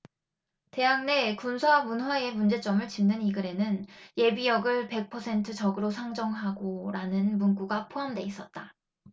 대학 내 군사 문화의 문제점을 짚는 이 글에는 예비역을 백 퍼센트 적으로 상정하고라는 문구가 포함돼 있었다